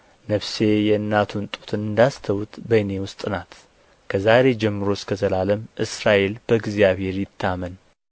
ነፍሴ የእናቱን ጡት እንዳስተውት በእኔ ውስጥ ናት ከዛሬ ጀምሮ እስከ ዘላለም እስራኤል በእግዚአብሔር ይታመን